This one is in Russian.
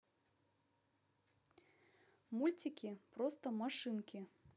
мультики просто машинки